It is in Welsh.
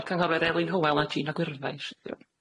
Y'r cynghorydd Elin Hywel a Gina Gwirfair.